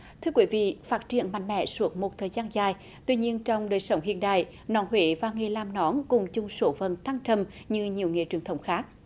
thưa quý vị phát triển mạnh mẽ suốt một thời gian dài tuy nhiên trong đời sống hiện đại nón huế và nghề làm nón cùng chung số phận thăng trầm như nhiều nghề truyền thống khác